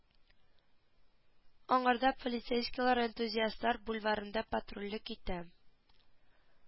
Аңарда полицейскийлар энтузиастлар бульварында патрульлек итә